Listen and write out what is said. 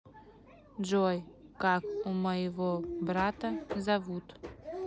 джой как у моего брата зовут